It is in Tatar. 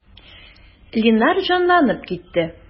Линар җанланып китте.